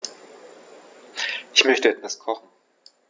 Ich möchte etwas kochen.